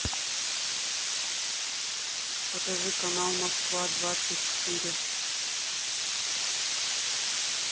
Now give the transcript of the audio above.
покажи канал москва двадцать четыре